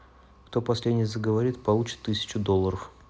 кто последний заговорит получит тысячу долларов